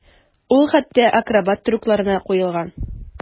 Ул хәтта акробат трюкларына куелган.